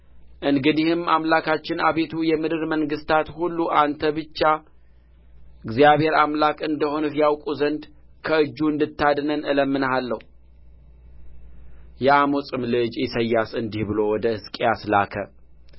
እንግዲህም አምላካችን አቤቱ የምድር መንግሥታት ሁሉ አንተ ብቻ እግዚአብሔር አምላክ እንደ ሆንህ ያውቁ ዘንድ ከእጁ እንድታድነን እለምንሃለሁ የአሞጽም ልጅ ኢሳይያስ እንዲህ ብሎ ወደ ሕዝቅያስ ላካ